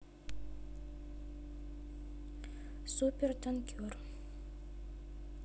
супер танкер